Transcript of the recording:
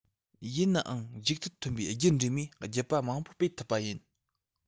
ཡིན ནའང མཇུག མཐར ཐོན པའི རྒྱུད འདྲེས མས རྒྱུད པ མང པོ སྤེལ ཐུབ པ ཡིན